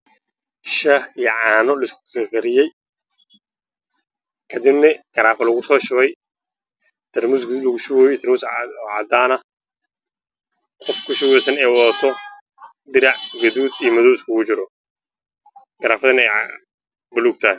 Waa shaax lagu shubaayo tarmuus cadaan